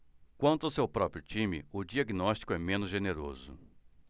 quanto ao seu próprio time o diagnóstico é menos generoso